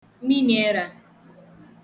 miniẹrā